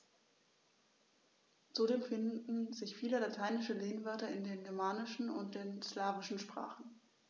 Zudem finden sich viele lateinische Lehnwörter in den germanischen und den slawischen Sprachen.